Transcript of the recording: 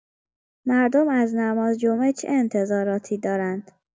مردم از نمازجمعه چه انتظاراتی دارند؟